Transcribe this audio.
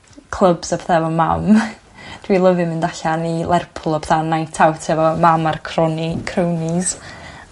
clwbs a petha efo mam. Dwi lyfio mynd allan i Lerpwl a petha am night out efo mam a'r cronie cronies